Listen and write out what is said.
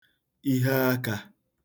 ihe akā